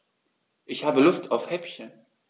Ich habe Lust auf Häppchen.